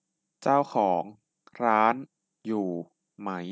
เจ้าของร้านอยู่ไหม